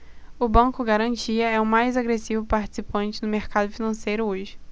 o banco garantia é o mais agressivo participante do mercado financeiro hoje